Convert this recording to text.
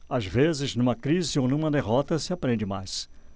às vezes numa crise ou numa derrota se aprende mais